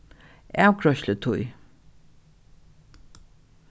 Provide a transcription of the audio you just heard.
avgreiðslutíð